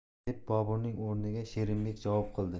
deb boburning o'rniga sherimbek javob qildi